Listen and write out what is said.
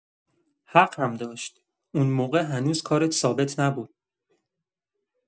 حق هم داشت، اون موقع هنوز کارت ثابت نبود.